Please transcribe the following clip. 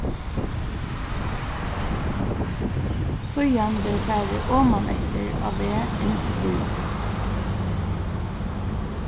síðan verður farið oman eftir á veg inn í býin